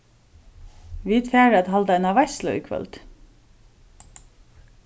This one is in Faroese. vit fara at halda eina veitslu í kvøld